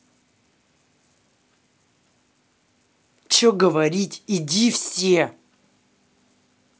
че говорить иди все